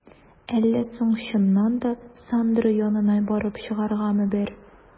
Әллә соң чыннан да, Сандра янына барып чыгаргамы бер?